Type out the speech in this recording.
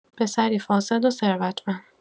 پسری فاسد و ثروتمند